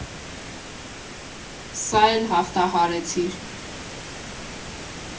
Սա էլ հաղթահարեցիր։